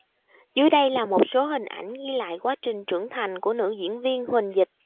dưới đây là một số hình ảnh ghi lại quá trình trưởng thành của nữ diễn viên huỳnh dịch